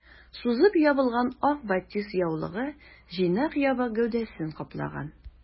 Сузып ябылган ак батист яулыгы җыйнак ябык гәүдәсен каплаган.